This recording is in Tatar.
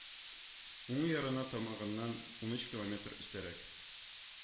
Уң ярына тамагыннан унөч километр өстәрәк